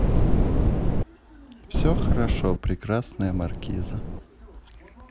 все хорошо прекрасная маркиза